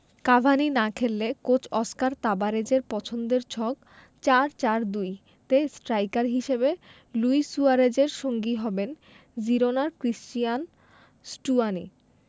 Cavani না খেললে coach Oscar তাবারেজের পছন্দের ছক ৪ ৪ ২ তে স্ট্রাইকার হিসেবে লুই সুয়ারেজের সঙ্গী হবেন জিরোনার ক্রিস্টিয়ান স্টুয়ানি